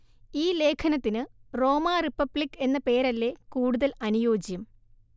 ഈ ലേഖനത്തിനു Roma republic എന്ന പേര് അല്ലേ കൂടുതൽ അനുയോജ്യം